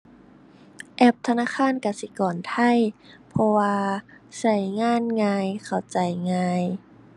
แอปธนาคารกสิกรไทย เพราะว่าใช้งานง่าย เข้าใจง่าย